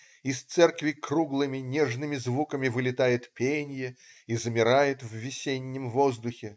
Из церкви круглыми, нежными звуками вылетает пенье и замирает в весеннем воздухе.